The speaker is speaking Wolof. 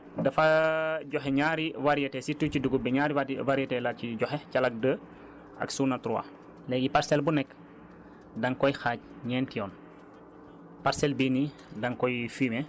parce que plan bi dafa joxe ñaari variétés surtout ci dugub bi ñaari variétés la ci joxe calag deux ak suuna trois léegi parcelle bu nekk danga koy xaaj ñenti yoon